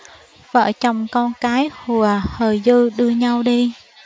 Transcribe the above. vợ chồng con cái hùa hờ dư đưa nhau đi